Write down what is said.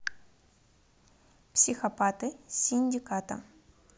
психопаты синдиката